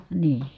niin